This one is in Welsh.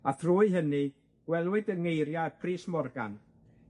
a trwy hynny gwelwyd yng ngeiria'r Prys Morgan